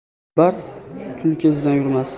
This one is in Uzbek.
yo'lbars tulki izidan yurmas